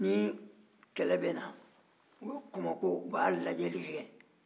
ni kɛlɛ bɛ na u bɛ kɔmɔko u b'a lajɛli kɛ